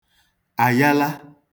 àyala